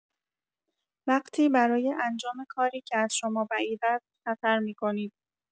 وقتی برای انجام کاری که از شما بعید است، خطر می‌کنید.